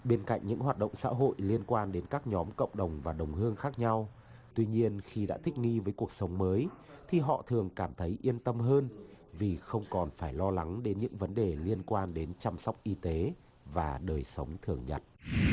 bên cạnh những hoạt động xã hội liên quan đến các nhóm cộng đồng và đồng hương khác nhau tuy nhiên khi đã thích nghi với cuộc sống mới thì họ thường cảm thấy yên tâm hơn vì không còn phải lo lắng đến những vấn đề liên quan đến chăm sóc y tế và đời sống thường nhật